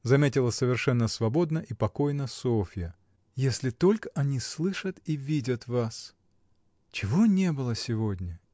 — заметила совершенно свободно и покойно Софья, — если только они слышат и видят вас! Чего не было сегодня!